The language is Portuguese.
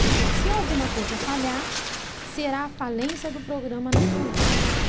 se alguma coisa falhar será a falência do programa nacional